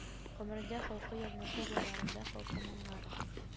Гомерендә халкы язмышы җырларында халкы моңнары